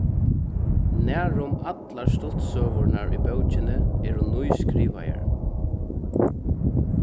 nærum allar stuttsøgurnar í bókini eru nýskrivaðar